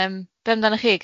Yym be' amdanach chi?